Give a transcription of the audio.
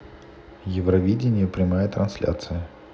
евровидение прямая трансляция